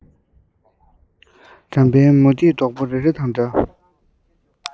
བཀྲམ པའི མུ ཏིག རྡོག པོ རེ རེ དང འདྲ